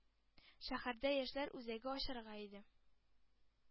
Шәһәрдә яшьләр үзәге ачарга иде,